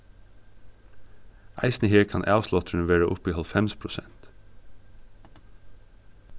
eisini her kann avslátturin vera upp í hálvfems prosent